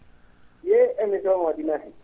?ee émission o ?i nafi